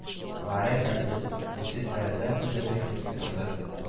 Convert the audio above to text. Гәрәй хәлсез, уйсыз тәрәзә төбенә килеп утырды